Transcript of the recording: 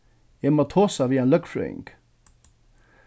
eg má tosa við ein løgfrøðing